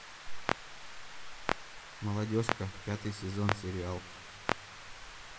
молодежка пятый сезон сериал